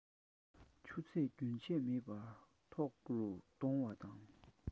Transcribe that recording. ཆུ ཚད རྒྱུན ཆད མེད པར མཐོ རུ གཏོང བ དང